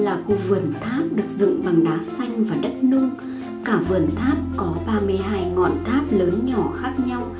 được dựng bằng đá xanh và đất nung cả vườn tháp có ngọn tháp lớn nhỏ khác nhau